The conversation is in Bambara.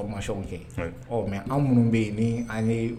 Cɛ mɛ an minnu bɛ yen